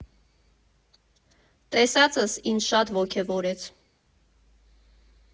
Տեսածս ինձ շատ ոգևորեց։